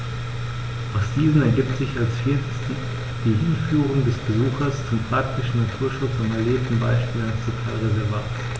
Aus diesen ergibt sich als viertes die Hinführung des Besuchers zum praktischen Naturschutz am erlebten Beispiel eines Totalreservats.